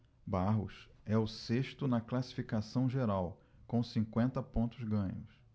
barros é o sexto na classificação geral com cinquenta pontos ganhos